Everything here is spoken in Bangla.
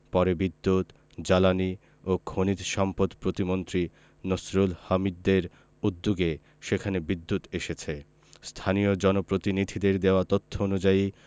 পরে বিদ্যুৎ জ্বালানি ও খনিজ সম্পদ প্রতিমন্ত্রী নসরুল হামিদদের উদ্যোগে সেখানে বিদ্যুৎ এসেছে স্থানীয় জনপ্রতিনিধিদের দেওয়া তথ্য অনুযায়ী